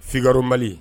Sma